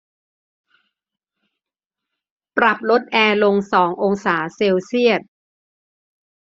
ปรับลดแอร์ลงสององศาเซลเซียส